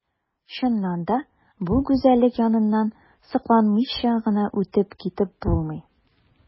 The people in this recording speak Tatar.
Чыннан да бу гүзәллек яныннан сокланмыйча гына үтеп китеп булмый.